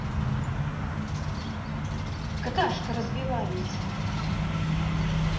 какашка разбивались